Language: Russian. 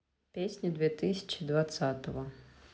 песня две тысячи двадцатого